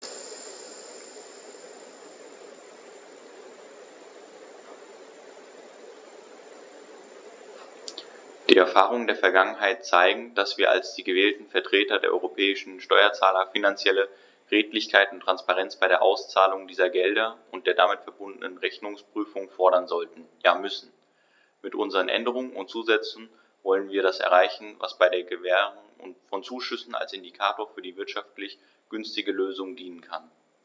Die Erfahrungen der Vergangenheit zeigen, dass wir als die gewählten Vertreter der europäischen Steuerzahler finanzielle Redlichkeit und Transparenz bei der Auszahlung dieser Gelder und der damit verbundenen Rechnungsprüfung fordern sollten, ja müssen. Mit unseren Änderungen und Zusätzen wollen wir das erreichen, was bei der Gewährung von Zuschüssen als Indikator für die wirtschaftlich günstigste Lösung dienen kann.